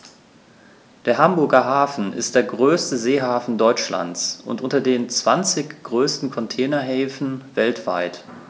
Der Hamburger Hafen ist der größte Seehafen Deutschlands und unter den zwanzig größten Containerhäfen weltweit.